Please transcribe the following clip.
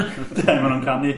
Yden, ma' nhw'n canu.